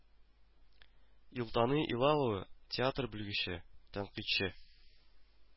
Илтани Илалова, театр белгече, тәнкыйтьче: